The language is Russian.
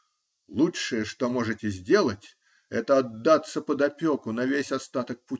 Лучшее, что можете сделать, это отдаться под опеку на весь остаток пути